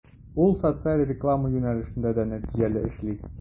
Ул социаль реклама юнәлешендә дә нәтиҗәле эшли.